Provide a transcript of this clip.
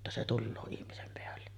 että se tulee ihmisen päälle